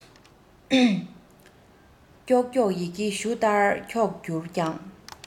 ཀྱོག ཀྱོག ཡི གེ གཞུ ལྟར འཁྱོག གྱུར ཀྱང